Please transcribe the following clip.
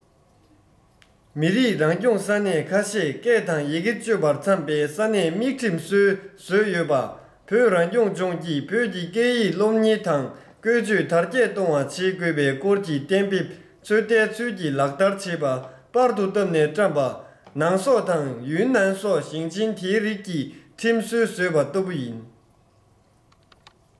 མི རིགས རང སྐྱོང ས གནས ཁ ཤས སྐད དང ཡི གེ སྤྱོད པར འཚམ པའི ས གནས དམིགས ཁྲིམས སྲོལ བཟོས ཡོད པ བོད རང སྐྱོང ལྗོངས ཀྱིས བོད ཀྱི སྐད ཡིག སློབ གཉེར དང བཀོལ སྤྱོད དར རྒྱས གཏོང བ བྱེད དགོས པའི སྐོར གྱི གཏན འབེབས ཚོད ལྟའི ཚུལ གྱིས ལག བསྟར བྱེད པ པར དུ བཏབ ནས བཀྲམས པ ནང སོག དང ཡུན ནན སོགས ཞིང ཆེན དེའི རིགས ཀྱི ཁྲིམས སྲོལ བཟོས པ བཟོས པ ལྟ བུ ཡིན